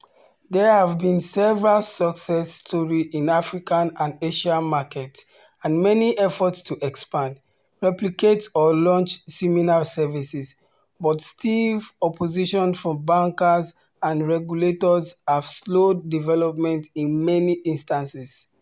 There have been several success stories in African and Asian markets, and many efforts to expand, replicate or launch similar services, but stiff opposition from bankers and regulators has slowed development in many instances.